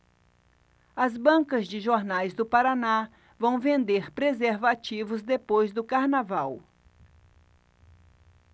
as bancas de jornais do paraná vão vender preservativos depois do carnaval